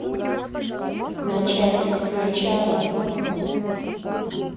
начать сначала